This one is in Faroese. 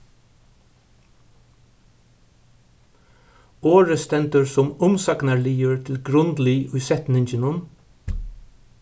orðið stendur sum umsagnarliður til grundlið í setninginum